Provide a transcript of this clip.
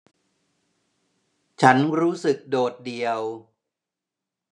ฉันรู้สึกโดดเดี่ยว